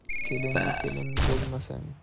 kelinga kelin bo'lmasang